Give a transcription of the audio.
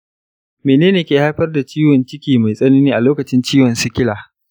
menene ke haifar da ciwon ciki mai tsanani a lokacin ciwon sikila ?